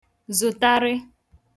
zụtarị